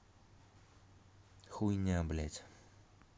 хуйня блядь